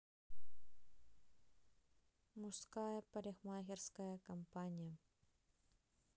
мужская парикмахерская компания